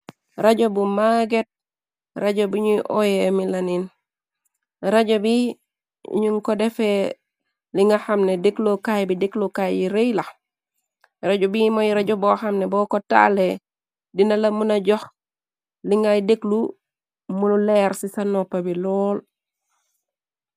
Rajo bu maaget rajo bi ñyu oyee mi laniin rajo bi nun ko defee li nga xamne dëkloo kaay bi dëklokaay yi rëy lax rajo bi mooy rajo boo xamne boo ko taale dina la mëna jox li ngay dëklu mu leer ci ca noppa bi lool.